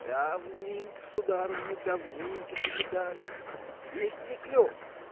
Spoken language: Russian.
Давненько, сударыня, давненько не видались! Есть ли клев?